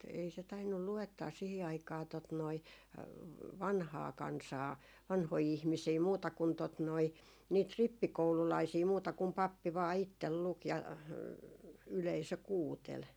ei se tainnut luettaa siihen aikaan tuota noin vanhaa kansaa vanhoja ihmisiä muuta kuin tuota noin niitä rippikoululaisia muuta kuin pappi vain itse luki ja yleisö kuunteli